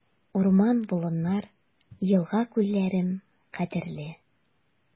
Урман-болыннар, елга-күлләрем кадерле.